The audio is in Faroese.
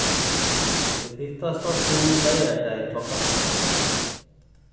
vit hittast á zoom leygardagin klokkan eitt